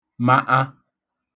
maṫa